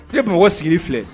Eye mɔgɔ sigi filɛ!